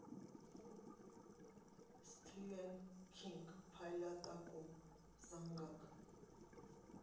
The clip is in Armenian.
Սթիվեն Քինգ «Փայլատակում», Զանգակ։